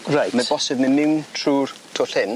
Reit. Ma'n bosib myn' trw'r twll hyn.